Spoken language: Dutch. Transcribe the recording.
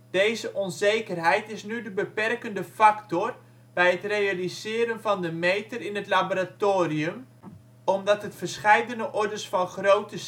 Deze onzekerheid is nu de beperkende factor bij het realiseren van de meter in het laboratorium, omdat het verscheidene ordes van grootte